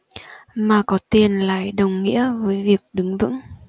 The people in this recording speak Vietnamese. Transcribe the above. mà có tiền lại đồng nghĩa với việc đứng vững